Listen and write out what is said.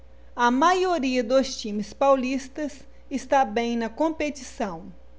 a maioria dos times paulistas está bem na competição